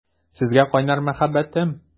Сезгә кайнар мәхәббәтем!